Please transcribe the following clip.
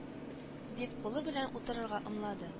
Дип, кулы белән утырырга ымлады